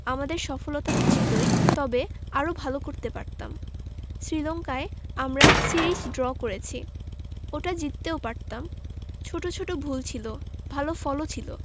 আমাদের সফলতা তো ছিলই তবে আরও ভালো করতে পারতাম শ্রীলঙ্কায় আমরা সিরিজ ড্র করেছি ওটা জিততেও পারতাম ছোট ছোট ভুল ছিল ভালো ফলও ছিল